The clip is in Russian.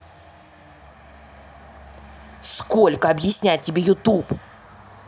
сколько объяснять тебе youtube